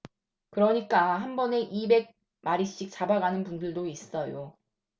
그러니까 한번에 이백 마리씩 잡아가시는 분들도 있어요